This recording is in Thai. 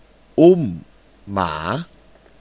อุ้มหมา